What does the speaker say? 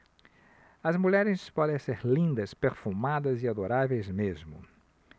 as mulheres podem ser lindas perfumadas e adoráveis mesmo